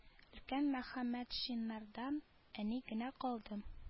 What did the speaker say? Өлкән мөхәммәтшиннардан әни генә калды